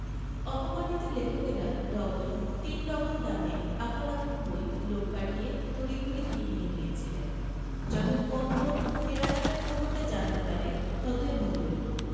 অপমানিত লেখকরা ডবল তিন ডবল দামে আপন আপন বই লোক পাঠিয়ে তড়িঘড়ি কিনিয়ে নিয়েছিলেন যত কম লোকে কেনাকাটার খবরটা জানতে পারে ততই মঙ্গল